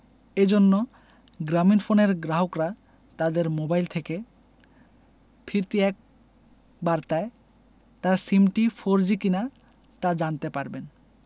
এ জন্য গ্রামীণফোনের গ্রাহকরা তাদের মোবাইল থেকে ফিরতি এক বার্তায় তার সিমটি ফোরজি কিনা তা জানতে পারবেন